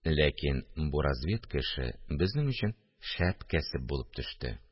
Ләкин бу разведка эше безнең өчен шәп кәсеп булып төште